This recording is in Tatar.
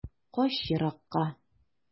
Кач еракка.